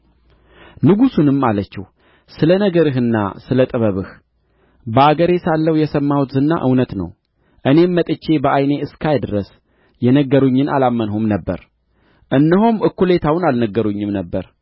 ንጉሡንም አለችው ስለ ነገርህና ስለ ጥበብህ በአገሬ ሳለሁ የሰማሁት ዝና እውነት ነው እኔም መጥቼ በዓይኔ እስካይ ድረስ የነገሩኝን አላመንሁም ነበር እነሆም እኩሌታውን አልነገሩኝም ነበር